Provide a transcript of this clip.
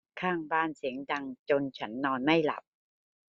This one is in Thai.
ข้างบ้านเสียงดังจนฉันนอนไม่หลับ